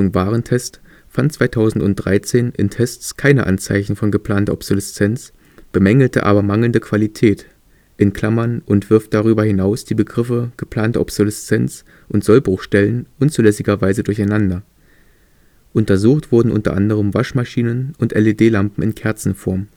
Warentest fand 2013 in Tests keine Anzeichen von geplanter Obsoleszenz, bemängelte aber mangelnde Qualität (und wirft darüber hinaus die Begriffe " geplante Obsoleszenz " und " Sollbruchstellen " unzulässigerweise durcheinander). Untersucht wurden u. a. Waschmaschinen und LED-Lampen in Kerzenform